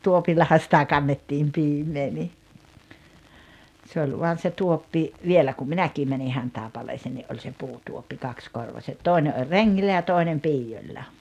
tuopillahan sitä kannettiin piimää niin se oli vain se tuoppi vielä kun minäkin menin Hantaipaleeseen niin oli se puutuoppi kaksikorvaiset toinen oli rengillä ja toinen piioilla